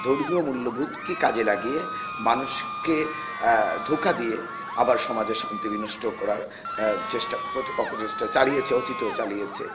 ধর্মীয় মূল্যবোধকে কাজে লাগিয়ে মানুষকে ধোঁকা দিয়ে আবার সমাজে শান্তি বিনষ্ট করার অপচেষ্টা চালিয়েছে অতীতেও চালিয়েছে